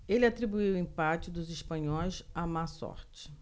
ele atribuiu o empate dos espanhóis à má sorte